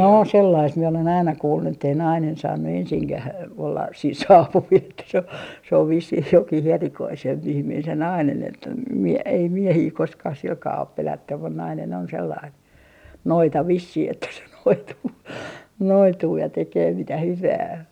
no sellaista minä olen aina kuullut että ei nainen saanut ensinkään olla siinä saapuvilla että se on se on vissiin jokin erikoisempi ihminen se nainen että - ei miehiä koskaan sillä kalella ole pelätty mutta nainen on sellainen noita vissiin että se noituu noituu ja tekee mitä hyvänsä